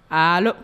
Allo